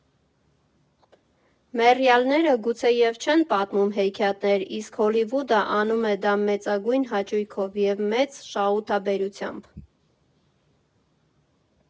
Մեռյալները գուցեև չեն պատմում հեքիաթներ, իսկ Հոլիվուդը անում է դա մեծագույն հաճույքով (և մեծ շահութաբերությամբ)։